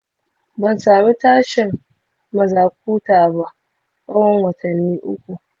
ban samu tashin mazakuta ba tsawon watanni uku.